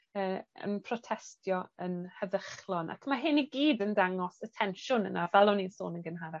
yy yn protest yn heddychlon, ac ma' hyn i gyd yn dangos y tensiwn yna fel o'n i'n sôn yn gynharach